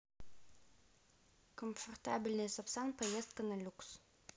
комфортабельный сапсан поездка на люкс